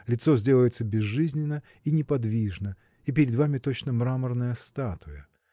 лицо сделается безжизненно и неподвижно – и перед вами точно мраморная статуя.